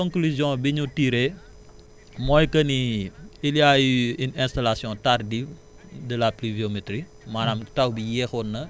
voilà ren nag conclusion bi ñu tirer mooy que ni il y a eu une installation tardive de la pluviométrie